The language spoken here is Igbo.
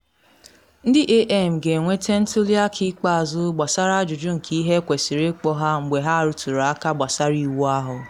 Ndị AM ga-enwete ntuli aka ikpeazụ gbasara ajụjụ nke ihe ekwesịrị ịkpọ ha mgbe ha arụtụrụ aka gbasara iwu ahụ.